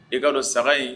I ka don saga in